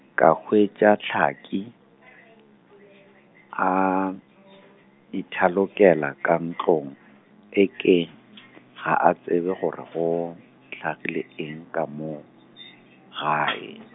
ka hwetša Tlhaka, a ithalokela ka ntlong, e ke, ga a tsebe gore go, hlagile eng ka moo, gae.